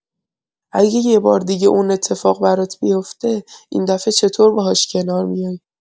اگه یه بار دیگه اون اتفاق برات بیفته، این دفعه چطور باهاش کنار میای؟